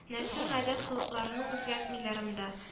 Нәсел гадәт-холыкларын үзгәртмиләр монда